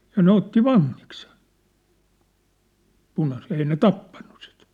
ja ne otti vangiksi sen punaiset ei ne tappaneet sitä